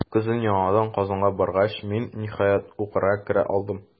Көзен яңадан Казанга баргач, мин, ниһаять, укырга керә алдым.